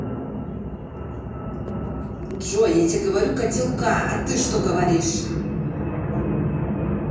джой я тебе говорю котелка а ты что говоришь